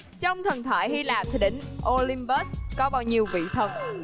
trong thần thoại hy lạp thì đỉnh ô lim pớt có bao nhiêu vị thần linh